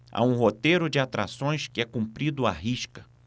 há um roteiro de atrações que é cumprido à risca